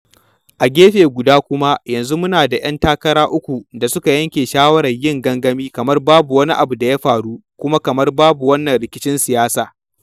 A gefe guda kuma, yanzu muna da ‘yan takara uku da suka yanke shawarar yin gangami kamar babu wani abu da ya faru kuma kamar babu wannan rikicin siyasa.